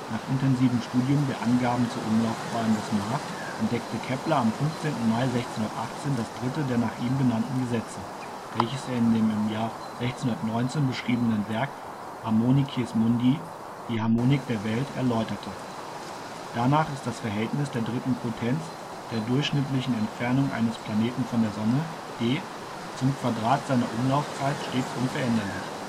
Nach intensivem Studium der Angaben zur Umlaufbahn des Mars entdeckte Kepler am 15. Mai 1618 das dritte der nach ihm benannten Gesetze, welches er in dem im Jahr 1619 beschriebenen Werk Harmonices Mundi (Die Harmonik der Welt) erläuterte: Danach ist das Verhältnis der dritten Potenz der durchschnittlichen Entfernung eines Planeten von der Sonne, d {\ displaystyle d}, zum Quadrat seiner Umlaufzeit stets unveränderlich